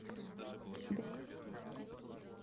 у тебя есть сиськи